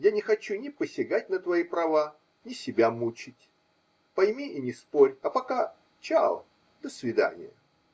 Я не хочу ни посягать на твои права, ни себя мучить. Пойми и не спорь. А пока -- "чао", до свидания.